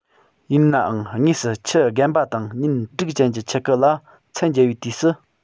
ཡིན ནའང དངོས སུ ཁྱི རྒན པ དང ཉིན དྲུག ཅན གྱི ཁྱི གུ ལ ཚད མཇལ བའི དུས སུ